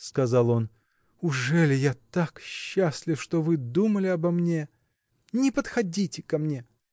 – сказал он, – ужели я так счастлив, что вы думали обо мне? – Не подходите ко мне!